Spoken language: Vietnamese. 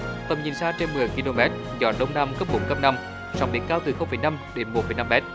tầm nhìn xa trên mười ki lô mét gió đông nam cấp bốn cấp năm sóng biển cao từ không phẩy năm đến bốn phẩy năm mét